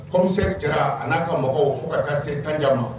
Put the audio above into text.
Kɔmimi jara a n'a ka mɔgɔw fo ka ka se tanjan ma